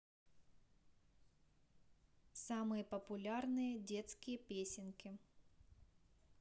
самые популярные детские песенки